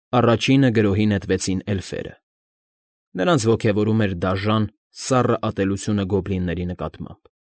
Առաջինը գրոհի նետվեցին էլֆերը։ Նրանց ոգևորում էր դաժան, սառն ատելությունը գոբլինների նկատմամբ։